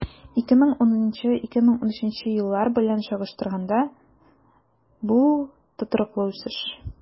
2010-2013 еллар белән чагыштырганда, бу тотрыклы үсеш.